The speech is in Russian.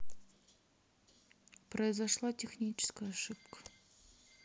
произошла техническая ошибка